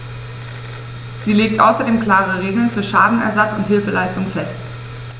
Sie legt außerdem klare Regeln für Schadenersatz und Hilfeleistung fest.